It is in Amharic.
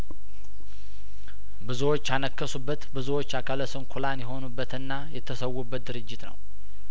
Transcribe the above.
ብዙዎች ያነከሱበት ብዙዎች አካለስንኩላን የሆኑበትና የተሰዉበት ድርጅት ነው